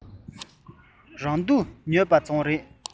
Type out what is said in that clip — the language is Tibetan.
རང སྡུག ཉོས པ ཙམ རེད